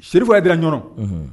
Sefɔya jira ɲɔgɔnɔ